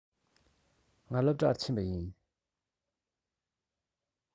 ང སློབ གྲྭར ཕྱིན པ ཡིན